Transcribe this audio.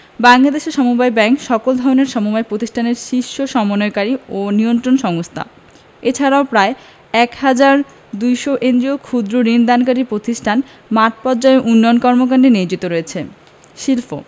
বাংলাদেশ সমবায় ব্যাংক সকল ধরনের সমবায় প্রতিষ্ঠানের শীর্ষ সমন্বয়কারী ও নিয়ন্ত্রণ সংস্থা এছাড়াও প্রায় ১ হাজার ২০০ এনজিও ক্ষুদ্র্ ঋণ দানকারী প্রতিষ্ঠান মাঠপর্যায়ে উন্নয়ন কর্মকান্ডে নিয়োজিত রয়েছে শিল্পঃ